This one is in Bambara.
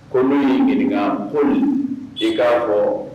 Ko n y'i ɲininka ko i ka bɔ